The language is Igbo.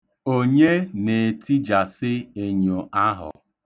Onye na-etijasị enyo ahụ?